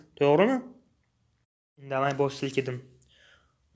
to'g'rimi indamay bosh silkidim